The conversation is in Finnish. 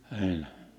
en